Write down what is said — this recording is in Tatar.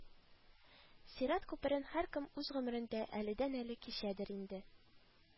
Сират күперен һәркем үз гомерендә әледән-әле кичәдер инде,